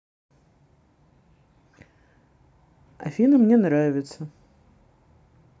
афина мне нравится